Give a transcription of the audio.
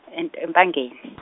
e- Mpangeni .